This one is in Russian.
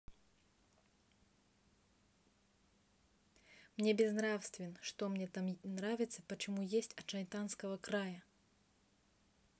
мне безнравствен что мне там нравится почему есть от шанхайского края